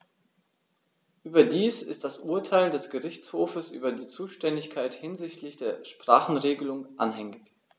Überdies ist das Urteil des Gerichtshofes über die Zuständigkeit hinsichtlich der Sprachenregelung anhängig.